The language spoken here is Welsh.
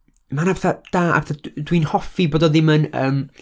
Ma' 'na bethau da, a pethau d- dwi'n hoffi bod o ddim yn, yym...